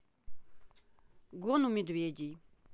гон у медведей